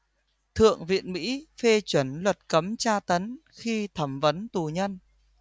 thượng viện mỹ phê chuẩn luật cấm tra tấn khi thẩm vấn tù nhân